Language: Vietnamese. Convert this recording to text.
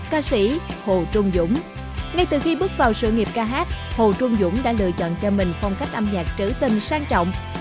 ca sĩ hồ trung dũng ngay từ khi bước vào sự nghiệp ca hát hồ trung dũng đã lựa chọn cho mình phong cách âm nhạc trữ tình sang trọng